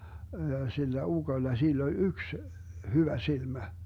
ja sillä ukolla sillä oli yksi hyvä silmä